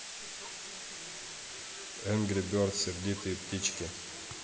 энгри бердс сердитые птички